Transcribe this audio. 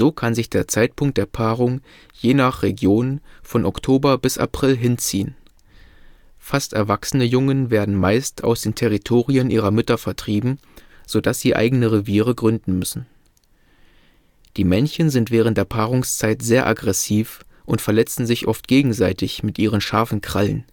kann sich der Zeitpunkt der Paarung, je nach Region, von Oktober bis April hinziehen. Fast erwachsene Jungen werden meist aus den Territorien ihrer Mütter vertrieben, so dass sie eigene Reviere gründen müssen. Die Männchen sind während der Paarungszeit sehr aggressiv und verletzen sich oft gegenseitig mit ihren scharfen Krallen